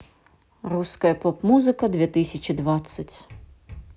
русская поп музыка две тысячи двадцать